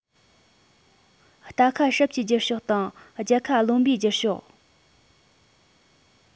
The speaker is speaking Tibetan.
རྟ ཁ སྲབ ཀྱིས སྒྱུར ཕྱོགས དང རྒྱལ ཁ བློན པོས སྒྱུར ཕྱོགས